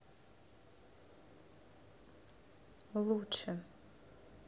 лучше